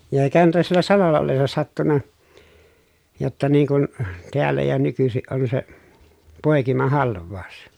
ja eikähän tuo siellä salolla ollessa sattunut jotta niin kuin täällä ja nykyisin on se poikimahalvaus